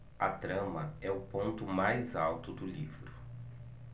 a trama é o ponto mais alto do livro